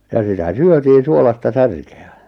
ja sitä syötiin suolaista särkeä